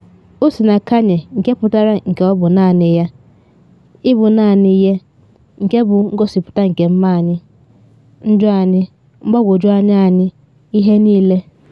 O si na Kanye, nke pụtara nke ọ bụ naanị ya, ịbụ naanị Ye - nke bụ ngosipụta nke mma anyị, njọ anyị, mgbagwoju anya anyị, ihe niile.